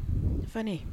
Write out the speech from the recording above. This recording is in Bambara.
I fana ye